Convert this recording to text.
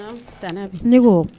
Taara ne ko